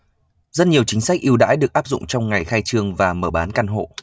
rất nhiều chính sách ưu đãi được áp dụng trong ngày khai trương và mở bán căn hộ